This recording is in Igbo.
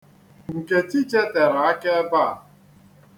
Nkechi chetere aka ebe a.